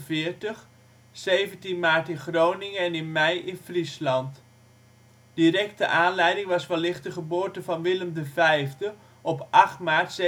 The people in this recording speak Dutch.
1748 (17 maart in Groningen en in mei in Friesland). Directe aanleiding was wellicht de geboorte van Willem V op 8 maart